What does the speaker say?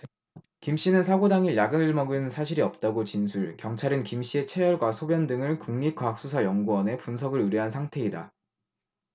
김씨는 사고 당일 약을 먹은 사실이 없다고 진술 경찰은 김씨의 채혈과 소변 등을 국립과학수사연구원에 분석을 의뢰한 상태이다